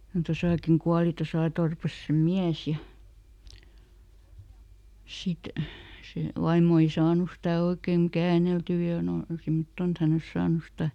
kun tuossakin kuoli tuossa torpassa sen mies ja sitten se vaimo ei saanut sitä oikein käänneltyä ja nuo semmottoon että hän olisi saanut sitä